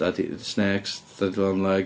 Daddy snakes, daddy long legs.